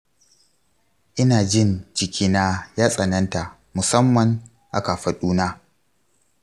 ina jin jikina ya tsananta musamman a kafaduna.